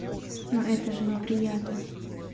ну это же неприятно